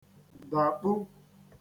dàkpu